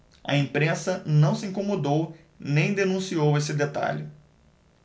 a imprensa não se incomodou nem denunciou esse detalhe